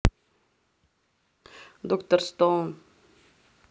доктор стоун